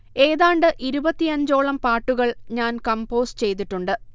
ഏതാണ്ട് ഇരുപത്തിയഞ്ചോളം പാട്ടുകൾ ഞാൻ കമ്പോസ് ചെയ്തിട്ടുണ്ട്